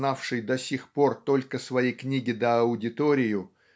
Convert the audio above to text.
знавший до сих пор только свои книги да аудиторию"